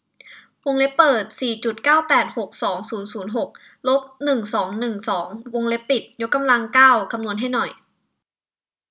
วงเล็บเปิดสี่จุดเก้าแปดหกสองศูนย์ศูนย์หกลบหนึ่งสองหนึ่งสองวงเล็บปิดยกกำลังเก้าคำนวณให้หน่อย